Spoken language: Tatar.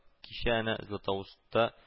Кичә әнә златоустта